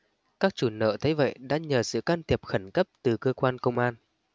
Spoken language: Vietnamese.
các chủ nợ thấy vậy đã nhờ sự can thiệp khẩn cấp từ cơ quan công an